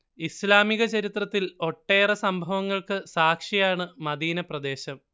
ഇസ്ലാമിക ചരിത്രത്തിൽ ഒട്ടേറെ സംഭവങ്ങൾക്ക് സാക്ഷിയാണ് മദീന പ്രദേശം